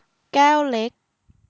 แก้วเล็ก